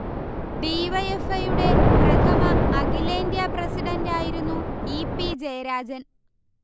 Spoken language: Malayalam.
ഡി. വൈ. എഫ്. ഐ. യുടെ പ്രഥമ അഖിലേന്ത്യാ പ്രസിഡണ്ട് ആയിരുന്നു ഇ. പി. ജയരാജൻ